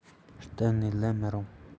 གཏན ནས ལེན མི རུང